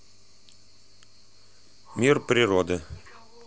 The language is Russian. мир природы